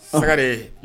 Hare